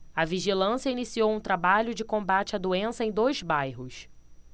a vigilância iniciou um trabalho de combate à doença em dois bairros